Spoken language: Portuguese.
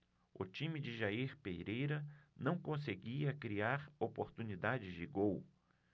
o time de jair pereira não conseguia criar oportunidades de gol